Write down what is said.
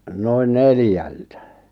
noin neljältä